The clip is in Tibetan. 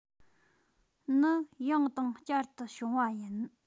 ནི ཡང དང བསྐྱར དུ བྱུང བ ཡིན